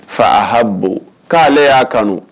Fahabu k'aale y'a kanu